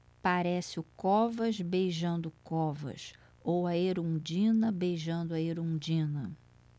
parece o covas beijando o covas ou a erundina beijando a erundina